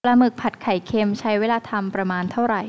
ปลาหมึกผัดไข่เค็มใช้เวลาทำประมาณเท่าไหร่